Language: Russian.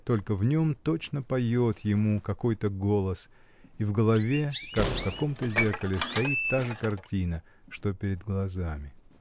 только в нем точно поет ему какой-то голос, и в голове, как в каком-то зеркале, стоит та же картина, что перед глазами.